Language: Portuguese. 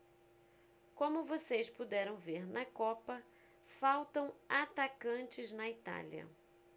como vocês puderam ver na copa faltam atacantes na itália